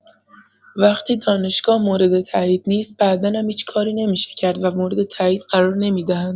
وقتی دانشگاه مورد تایید نیست بعدا هم هیچ کاری نمی‌شه کرد و مورد تایید قرار نمی‌دهند.